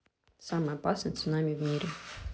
самый опасный цунами в мире